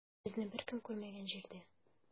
Безне беркем күрмәгән җирдә.